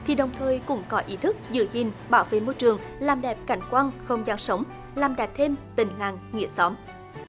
thì đồng thời cũng có ý thức giữ gìn bảo vệ môi trường làm đẹp cảnh quan không gian sống làm đẹp thêm tình làng nghĩa xóm